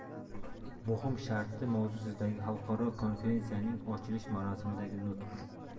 muhim sharti mavzusidagi xalqaro konferensiyaning ochilish marosimidagi nutq